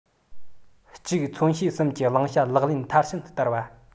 གཅིག མཚོན བྱེད གསུམ གྱི བླང བྱ ལག ལེན མཐར ཕྱིན བསྟར བ